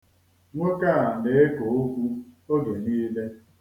Nwoke a na-eko okwu oge niile